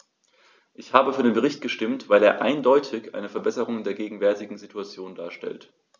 Ich habe für den Bericht gestimmt, weil er eindeutig eine Verbesserung der gegenwärtigen Situation darstellt.